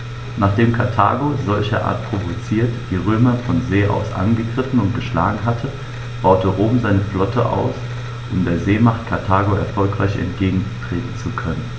Nachdem Karthago, solcherart provoziert, die Römer von See aus angegriffen und geschlagen hatte, baute Rom seine Flotte aus, um der Seemacht Karthago erfolgreich entgegentreten zu können.